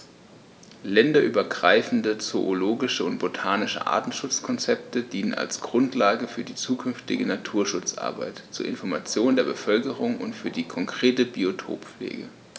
Länderübergreifende zoologische und botanische Artenschutzkonzepte dienen als Grundlage für die zukünftige Naturschutzarbeit, zur Information der Bevölkerung und für die konkrete Biotoppflege.